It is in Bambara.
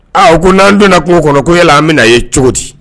A ko n'an donna kungo kɔnɔkoya an bɛna na ye cogo di